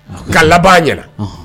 Ka laban ɲɛna